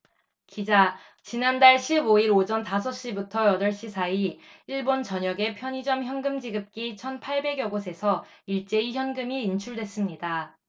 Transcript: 기자 지난달 십 오 일 오전 다섯 시부터 여덟 시 사이 일본 전역의 편의점 현금지급기 천 팔백 여 곳에서 일제히 현금이 인출됐습니다